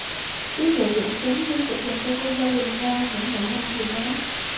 chú rể doãn tuấn liên tục dành cho cô dâu quỳnh nga những nụ hôn trìu mến